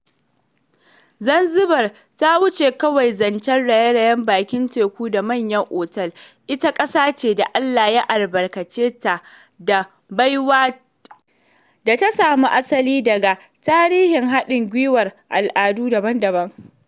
Zanzibar ta wuce kawai zancen rairayin bakin teku da manyan otel - ita ƙasa ce da Allah ya albarkace ta da baiwa da ta samo asali daga tarihin haɗin gwiwar al'adu daban-daban